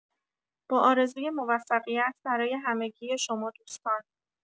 با آرزوی موفقیت برای همگی شما دوستان